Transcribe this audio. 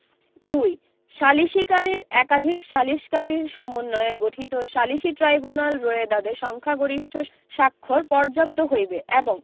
২ সালিসীকারীর একাধিক সালিসকারীর সমন্বয়ে গঠিত সালিসী ট্রাইব্যুনাল রোয়েদাদে সংখ্যাগরিষ্ঠ স্বাক্ষর পর্যাপ্ত হইবে এবং